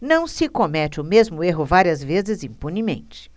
não se comete o mesmo erro várias vezes impunemente